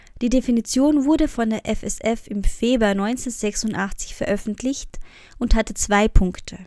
Die Definition wurde von der FSF im Feber 1986 veröffentlicht und hatte zwei Punkte